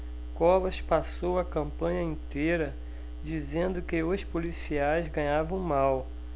covas passou a campanha inteira dizendo que os policiais ganhavam mal